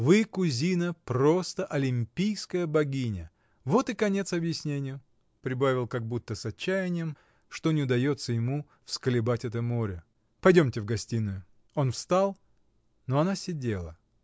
— Вы, кузина, просто олимпийская богиня — вот и конец объяснению, — прибавил, как будто с отчаянием, что не удается ему всколебать это море. — Пойдемте в гостиную! Он встал. Но она сидела.